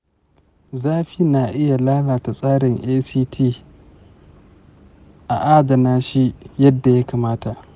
zafi na iya lalata tasirin act; a adanashi yadda ya kamata.